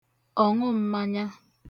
ọ̀ṅụm̄mānyā